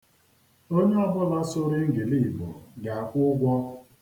Onye ọbụla sụrụ ngiliigbo ga-akwụ ụgwọ.